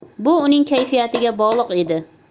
bu uning kayfiyatiga bog'liq edi